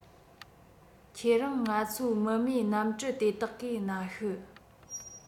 ཁྱེད རང ང ཚོའི མི མེད གནམ གྲུ དེ དག གིས སྣ ཤུ